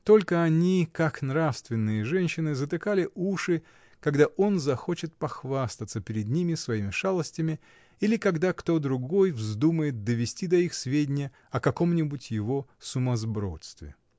Только они, как нравственные женщины, затыкали уши, когда он захочет похвастаться перед ними своими шалостями или когда кто другой вздумает довести до их сведения о каком-нибудь его сумасбродстве.